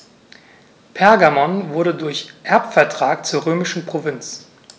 Pergamon wurde durch Erbvertrag zur römischen Provinz.